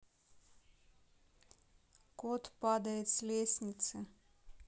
кот падает с лестницы